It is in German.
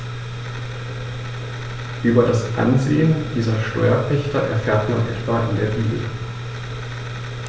Über das Ansehen dieser Steuerpächter erfährt man etwa in der Bibel.